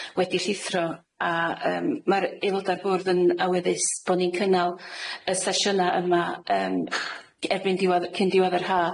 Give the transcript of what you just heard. wedi llithro, a yym ma'r aeloda'r bwrdd yn awyddus bo' ni'n cynnal y sesiyna yma, yym, erbyn diwadd- cyn diwadd yr ha'.